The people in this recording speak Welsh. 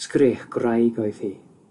Sgrech gwraig oedd hi,